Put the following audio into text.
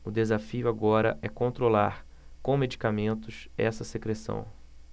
o desafio agora é controlar com medicamentos essa secreção